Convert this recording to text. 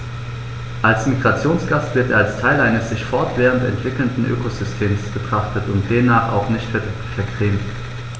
Als Migrationsgast wird er als Teil eines sich fortwährend entwickelnden Ökosystems betrachtet und demnach auch nicht vergrämt.